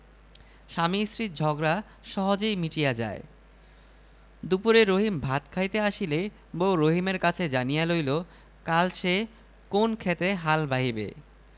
স্বামী স্ত্রীর ঝগড়া সহজেই মিটিয়া যায় দুপুরে রহিম ভাত খাইতে আসিলে বউ রহিমের কাছে জানিয়া লইল কাল সে কোন ক্ষেতে হাল বাহিবে